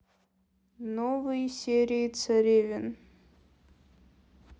новые серии царевен